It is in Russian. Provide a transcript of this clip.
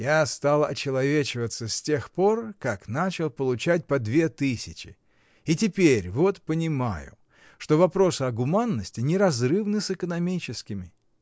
— Я стал очеловечиваться с тех пор, как начал получать по две тысячи, и теперь вот понимаю, что вопросы о гуманности неразрывны с экономическими.